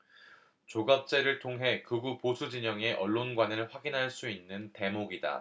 조갑제를 통해 극우보수진영의 언론관을 확인할 수 있는 대목이다